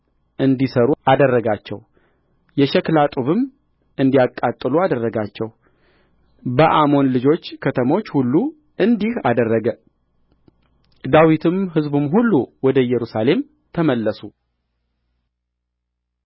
እንዲሠሩ አደረጋቸው የሸክላ ጡብም እንዲያቃጥሉ አደረጋቸው በአሞን ልጆች ከተሞች ሁሉ እንዲህ አደረገ ዳዊትም ሕዝቡም ሁሉ ወደ ኢየሩሳሌም ተመለሱ